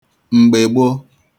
m̀gbègbo